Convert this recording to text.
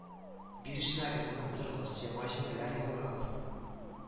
Бирешмәгез нык торыгыз яңа җиңүләр яулагыз